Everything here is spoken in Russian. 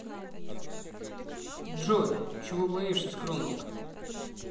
джой чего боится скромник